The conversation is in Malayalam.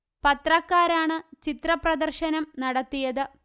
പത്രക്കാരാണ് ചിത്രപ്രദർശനം നടത്തിയത്